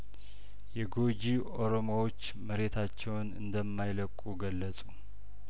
የጐጂ ኦሮሞዎች መሬታቸውን እንደማይለቁ ገለጹ